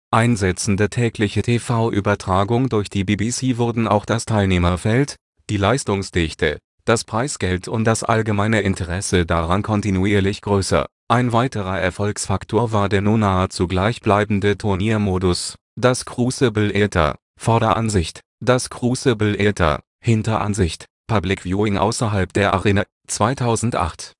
einsetzende tägliche TV-Übertragung durch die BBC wurden auch das Teilnehmerfeld, die Leistungsdichte, das Preisgeld und das allgemeine Interesse daran kontinuierlich größer. Ein weiterer Erfolgsfaktor war der nun nahezu gleichbleibende Turniermodus. Das Crucible Theatre (Vorderansicht) Das Crucible Theatre (Hinteransicht) Public Viewing außerhalb der Arena (2008